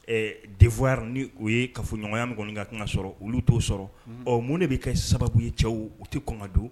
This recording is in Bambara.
Ɛɛ denfɔya ni u ye ka fɔɲɔgɔnya min kɔni ka kan ka sɔrɔ olu t'o sɔrɔ ɔ mun de bɛ kɛ sababu ye cɛw u tɛ kɔnkan don